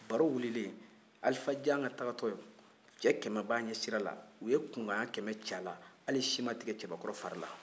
baro wulilen alifa janga taatɔ cɛ kɛmɛ b'a ɲɛ sira la u ye kunkan ɲɛ kɛmɛ ci a la hali si ma tigɛ cɛbakɔrɔ fari la